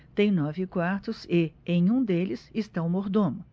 tem nove quartos e em um deles está o mordomo